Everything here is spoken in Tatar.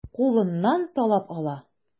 Кулыннан талап ала.